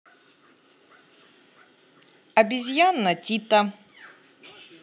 обезьяна тита